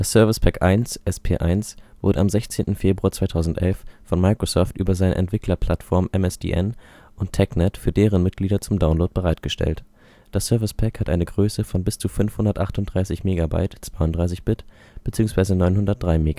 Service Pack 1 (SP1) wurde am 16. Februar 2011 von Microsoft über seine Entwicklerplattformen MSDN und TechNet für deren Mitglieder zum Download bereitgestellt. Das Service Pack hat eine Größe von bis zu 538 MB (32-Bit) bzw. 903 MB